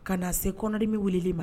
Ka na se kɔndi bɛ wulili ma